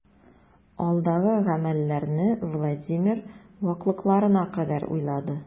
Алдагы гамәлләрне Владимир ваклыкларына кадәр уйлады.